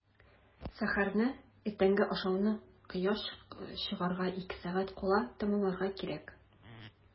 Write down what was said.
Сәхәрне – иртәнге ашауны кояш чыгарга ике сәгать кала тәмамларга кирәк.